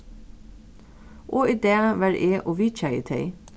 og í dag var eg og vitjaði tey